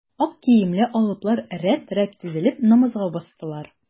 Ак киемле алыплар рәт-рәт тезелеп, намазга бастылар.